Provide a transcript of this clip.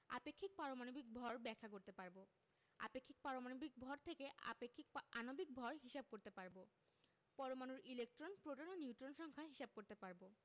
আপেক্ষিক পারমাণবিক ভর ব্যাখ্যা করতে পারব আপেক্ষিক পারমাণবিক ভর থেকে আপেক্ষিক আণবিক ভর হিসাব করতে পারব পরমাণুর ইলেকট্রন প্রোটন ও নিউট্রন সংখ্যা হিসাব করতে পারব